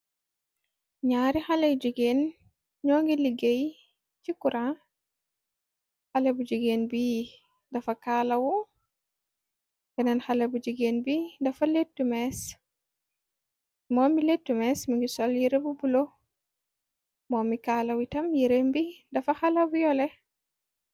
ñaari xaley yu jigéen ñoo ngi liggéey ci kuran xale bu jigeen bi dafa kaalawu beneen xale bu jigeen bi dafa moo mi lettu mees mi ngi sol yi rebubulo moo mi kaalawitam yirem bi dafa xalawyole.